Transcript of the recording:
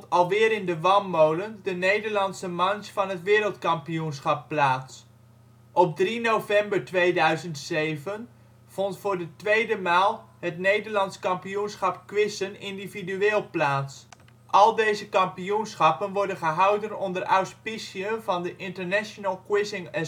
alweer in De Wanmolen de Nederlandse manche van het wereldkampioenschap plaats. Op 3 november 2007 vond voor de tweede maal het Nederlands kampioenschap quizzen individueel plaats. Al deze kampioenschappen worden gehouden onder auspiciën van de International Quizzing Association